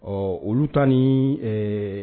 Ɔ olu ta ni ɛɛ